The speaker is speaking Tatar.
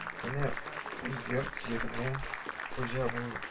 Әнә, үз йорт-җиреңә хуҗа була бел